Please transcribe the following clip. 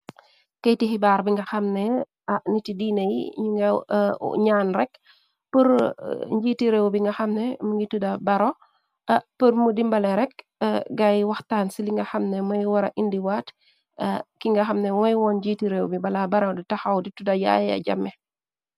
Keyti xibaar bi nga xamne niti diiné yi ñu nga ñaan rekk. Njiiti réew bi nga xamne mu ngi tuda bropërmu dimbale rekk gay waxtaan. Ci li nga xamne mooy wara indiwaat. Ki nga xamne moy woon njiiti réew bi bala baro du taxaw di tuda yaaye jame.